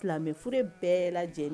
Silamɛoro bɛɛ lajɛ lajɛlen